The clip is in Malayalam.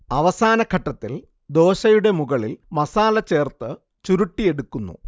അവസാന ഘട്ടത്തിൽ ദോശയുടെ മുകളിൽ മസാല ചേർത്ത് ചുരുട്ടിയെടുക്കുന്നു